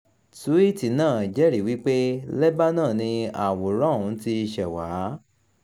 Túwíìtì náà jẹ́rìí wípé Lebanon ni àwòrán ọ̀hún ti ṣẹ̀ wá.